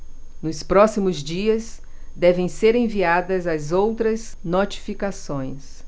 nos próximos dias devem ser enviadas as outras notificações